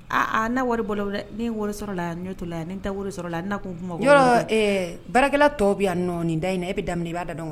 Aa ne wari bɔra ni wolo sɔrɔla ɲɔtola yan n tɛ wolo sɔrɔ la n'a tun kuma yɔrɔ barakɛla tɔw bɛ yan nɔ nin da in e bɛ daminɛ i' da wa